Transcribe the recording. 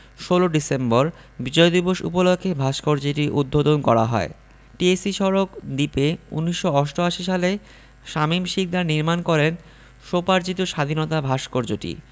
১৬ December Bijoy Dibosh উপলক্ষে ভাস্কর্যটি উদ্বোধন করা হয় টিএসসি সড়ক দ্বীপে ১৯৮৮ সালে শামীম শিকদার নির্মাণ করেন স্বোপার্জিত স্বাধীনতা ভাস্কর্যটি